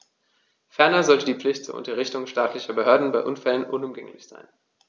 Ferner sollte die Pflicht zur Unterrichtung staatlicher Behörden bei Unfällen unumgänglich sein.